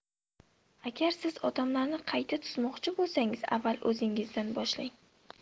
agar siz odamlarni qayta tuzmoqchi bo'lsangiz avval o'zingizdan boshlang